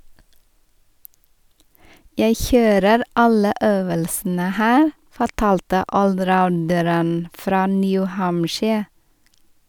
- Jeg kjører alle øvelsene her, fortalte allrounderen fra New Hampshire.